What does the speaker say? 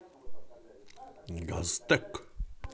газ тек